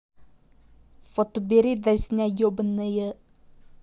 вот убери дресня ебаная